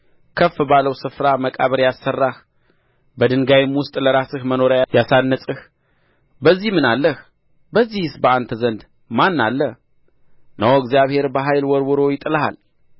ከፍ ባለው ስፍራ መቃብር ያሰራህ በድንጋይም ውስጥ ለራስህ መኖርያ ያሳነጽህ በዚህ ምን አለህ በዚህስ በአንተ ዘንድ ማን አለ እነሆ እግዚአብሔር በኃይል ወርውሮ ይጥልሃል